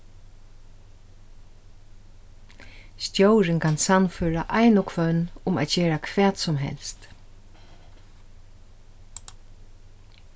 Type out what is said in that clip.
stjórin kann sannføra ein og hvønn um at gera hvat sum helst